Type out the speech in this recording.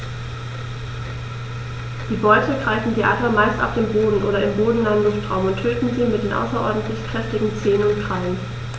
Die Beute greifen die Adler meist auf dem Boden oder im bodennahen Luftraum und töten sie mit den außerordentlich kräftigen Zehen und Krallen.